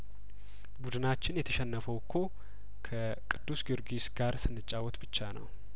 ቡድናችን የተሸነፈው እኮ ከቅዱስ ጊዮርጊስ ጋር ስንጫወት ብቻ ነው